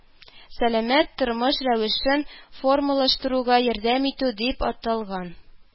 Сәламәт тормыш рәвешен формалаштыруга ярдәм итү” дип аталган